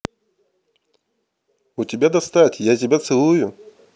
у тебя достать я тебя целую